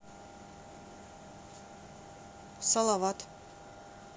салават